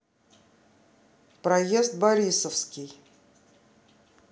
проезд борисовский